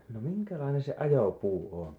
no minkälainen se ajopuu on